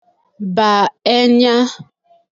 bà ẹnya